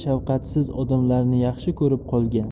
shafqatsiz odamlarni yaxshi ko'rib qolgan